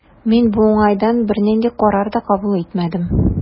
Мин бу уңайдан бернинди карар да кабул итмәдем.